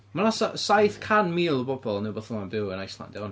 Ma' 'na sai- saith can mil o bobl neu 'wbath fel 'na yn byw yn Iceland, iawn.